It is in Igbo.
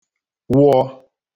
wụ